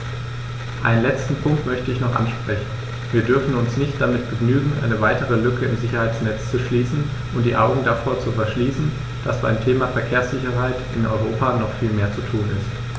Einen letzten Punkt möchte ich noch ansprechen: Wir dürfen uns nicht damit begnügen, eine weitere Lücke im Sicherheitsnetz zu schließen und die Augen davor zu verschließen, dass beim Thema Verkehrssicherheit in Europa noch viel mehr zu tun ist.